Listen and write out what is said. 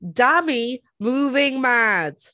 Dami, moving mad!